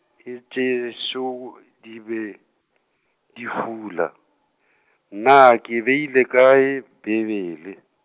e tšešo , di be, di fula , naa, ke beile kae Bibele?